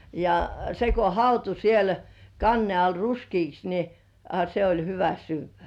ja se kun hautui siellä kannen alla ruskeaksi niin a se oli hyvä syödä